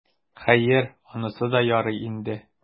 Хәер, анысы да ярый инде.